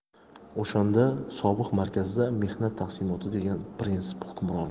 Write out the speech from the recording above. o'shanda sobiq markazda mehnat taqsimoti degan prinsip hukmron edi